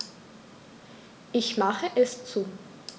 Ich mache es zu.